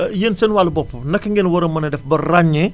yéen si seen wàllu bopp naka ngeen war a mën a def ba ràññee